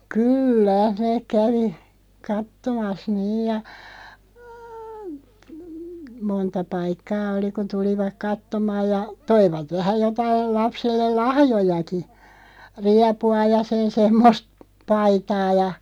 kyllä ne kävi katsomassa niin ja monta paikkaa oli kun tulivat katsomaan ja toivat vähän jotakin lapselle lahjojakin riepua ja sen semmoista paitaa ja